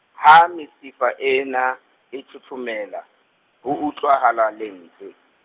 ha mesifa ena, e thothomela, ho utlwahala lentswe.